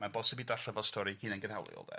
Mae'n bosib ei darllen fel stori hunangynhaoliol de.